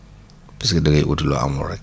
parce que da ngay ut loo amul rek